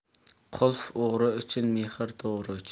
qulf o'g'ri uchun mehr to'g'ri uchun